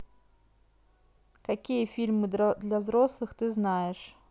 какие фильмы для взрослых ты знаешь